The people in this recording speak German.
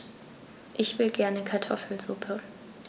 Ich will gerne Kartoffelsuppe.